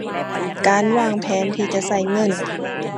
การวางแผนที่จะใช้เงิน